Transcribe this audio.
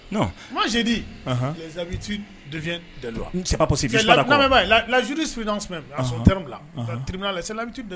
Non, moi je dis, les habitudes deviennent des lois, c'est pas possible je ne suis pas d'accord n lamɛn bani la jurisprudence même dans son terme là trabunal la c'est l'habitude de